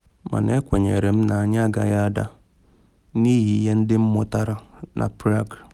Mana ekwenyere m na anyị agaghị ada, n’ihi ihe ndị mụtara na Prague.